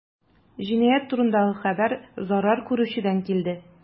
Җинаять турындагы хәбәр зарар күрүчедән килде.